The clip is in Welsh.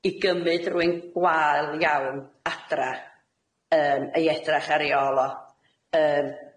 i gymyd rwun gwael iawn adra yym, i edrach ar ei ôl o, yym.